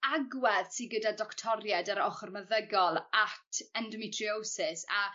agwedd sy gyda doctoried yr ochor meddygol at endometriosis a